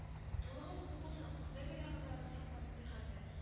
Юлыгыз уң булсын, ходай бәла-казалардан сакласын, ди хәлфә